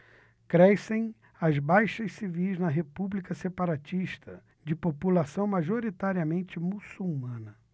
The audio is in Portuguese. crescem as baixas civis na república separatista de população majoritariamente muçulmana